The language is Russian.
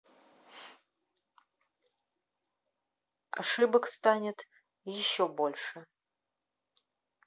ошибок станет еще больше